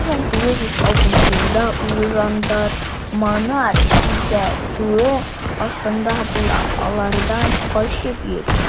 1906 елда ул жандармнар күзәтүе астында була, алардан качып йөри.